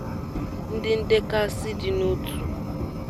Ndị ndekasi dị n'otu